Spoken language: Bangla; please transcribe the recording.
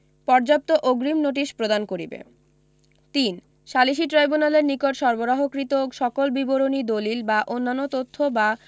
পর্যাপ্ত অগ্রিম নোটিশ প্রদান করিবে ৩ সালিসী ট্রাইব্যুনালের নিকট সরবরাহকৃত সকল বিবরণী দলিল বা অন্যান্য তথ্য বা